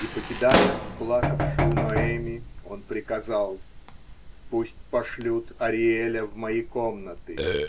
И, покидая плакавшую Ноэми, он приказал: -- Пусть пошлют Ариэля в мои комнаты.